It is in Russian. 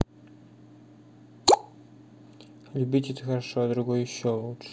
любить это хорошо а другой еще лучше